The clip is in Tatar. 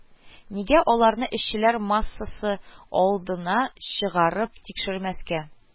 Нигә аларны эшчеләр массасы алдына чыгарып тикшермәскә